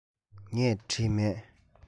ངས བྲིས མེད